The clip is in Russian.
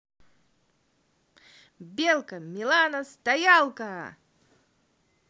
белка милана стоялка